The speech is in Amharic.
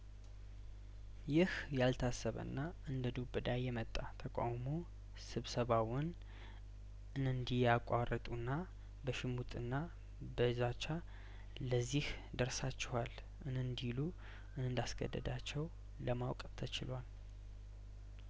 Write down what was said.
ይህ ያልታሰበና እንደዱብ እዳ የመጣ ተቃውሞ ስብሰባውን እንዲ ያቋርጡና በሽሙጥና በዛቻ ለዚህ ደርሳችኋል እንዲሉ እንዳስ ገደዳቸው ለማወቅ ተችሏል